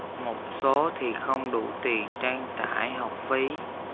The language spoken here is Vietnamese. một số thì không đủ tiền trang trải học phí